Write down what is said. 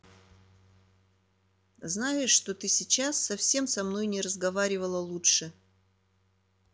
знаешь что ты сейчас совсем со мной не разговаривала лучше